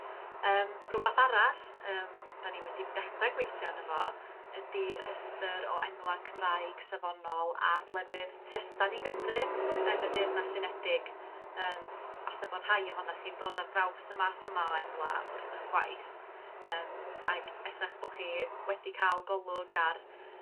yym rwbath arall yym 'dan ni wedi dechra gweithio arno fo ydi rhestyr o enwa' Cymraeg safonol ar lefydd tu allan i Gymru yn y Deyrnas Unedig yym falle bo' rhai ohonoch chi'n dod ar draws y math yma o enwa' wrth 'ych gwaith yym ag ella'ch bo' chi wedi ca'l golwg ar